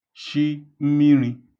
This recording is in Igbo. shi mmiṙī